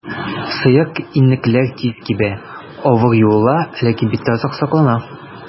Сыек иннекләр тиз кибә, авыр юыла, ләкин биттә озак саклана.